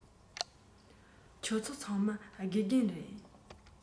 ཁྱོད ཚོ ཚང མ དགེ རྒན རེད